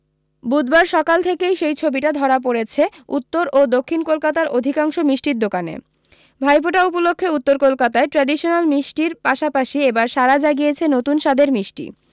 বুধবার সকাল থেকেই সেই ছবিটা ধরা পড়েছে উত্তর ও দক্ষিণ কলকাতার অধিকাংশ মিষ্টির দোকানে ভাইফোঁটা উপলক্ষে উত্তর কলকাতায় ট্র্যাডিশনাল মিষ্টির পাশাপাশি এবার সাড়া জাগিয়েছে নতুন স্বাদের মিষ্টি